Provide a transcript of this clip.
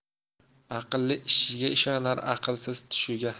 aqlli ishiga ishonar aqlsiz tushiga